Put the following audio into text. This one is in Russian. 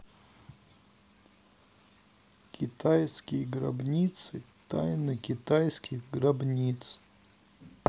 китайские гробницы тайны китайских гробниц